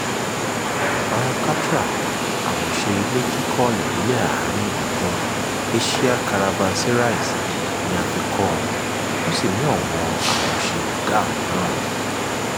Bara Katra, àwòṣe ilé kíkọ́ ìbílẹ̀ Àárín gbùngbùn Asian caravanserais ni a fi kọ́ ọ, ó sì ní ọwọ́ọ àwòṣe Mughal náà.